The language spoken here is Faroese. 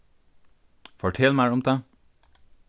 fortel mær um tað